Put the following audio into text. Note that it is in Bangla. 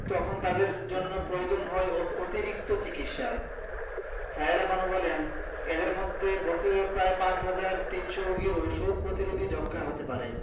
তখন তাদের জন্য প্রয়োজন হয় অতিরিক্ত চিকিৎসার সায়েরা বানু বলেন এদের মধ্যে বছরে প্রায় ৫ হাজার ৩০০ রোগীর ওষুধ প্রতিরোধী যক্ষ্মা হতে পারে